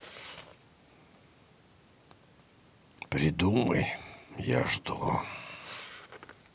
придумай я жду